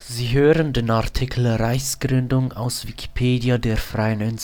hören den Artikel Deutsche Reichsgründung, aus Wikipedia, der freien